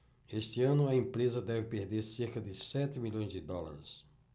este ano a empresa deve perder cerca de sete milhões de dólares